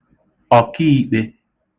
ọ̀kiīkpē